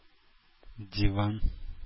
Диван